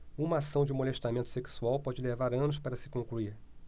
uma ação de molestamento sexual pode levar anos para se concluir